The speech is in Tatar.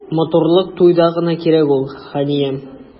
Матурлык туйда гына кирәк ул, ханиям.